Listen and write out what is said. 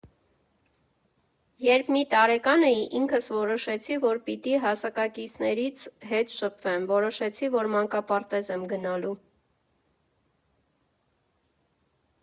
Երբ մի տարեկան էի, ինքս որոշեցի, որ պիտի հասակակիցներից հետ շփվեմ, որոշեցի, որ մանկապարտեզ եմ գնալու։